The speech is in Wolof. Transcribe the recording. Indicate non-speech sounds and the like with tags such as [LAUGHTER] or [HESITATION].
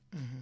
[HESITATION] [HESITATION]